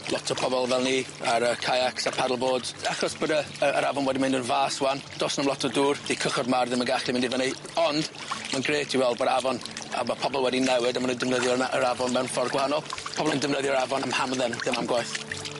Lot o pobol fel ni ar yy kayacs a paddleboards achos bod y yy yr afon wedi mynd yn fas ŵan do's na'm lot o dŵr 'di cychod mawr ddim yn gallu mynd i fyny ond ma'n grêt i weld bo'r afon a ma' pobol wedi newid a ma' nw'n defnyddio na- yr afon mewn ffor gwahanol pobol yn defnyddio'r afon am hamdden ddim am gwaith.